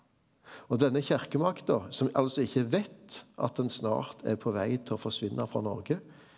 og denne kyrkjemakta, som altså ikkje veit at den snart er på veg til å forsvinna frå Noreg,